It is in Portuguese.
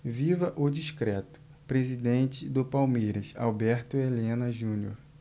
viva o discreto presidente do palmeiras alberto helena junior